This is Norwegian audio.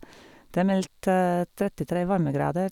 Det er meldt trettitre varmegrader.